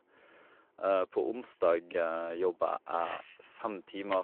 På onsdag jobba jeg fem timer.